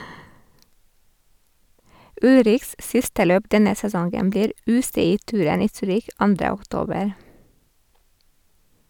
Ullrichs siste løp denne sesongen blir UCI-touren i Zürich 2. oktober.